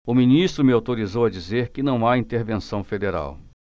o ministro me autorizou a dizer que não há intervenção federal